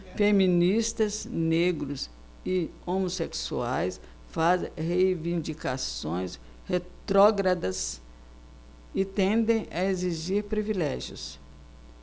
feministas negros e homossexuais fazem reivindicações retrógradas e tendem a exigir privilégios